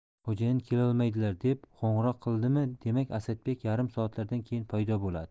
xo'jayin kelolmaydilar deb qo'ng'iroq qilindimi demak asadbek yarim soatlardan keyin paydo bo'ladi